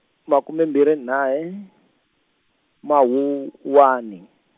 makume mbirhi na ye Mawuwani.